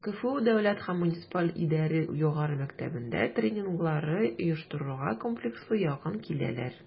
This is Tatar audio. КФУ Дәүләт һәм муниципаль идарә югары мәктәбендә тренингларны оештыруга комплекслы якын киләләр: